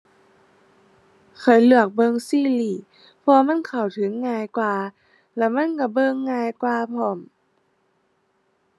ข้อยเลือกเบิ่งซีรีส์ เพราะว่ามันเข้าถึงง่ายกว่า แล้วมันก็เบิ่งง่ายกว่าพร้อม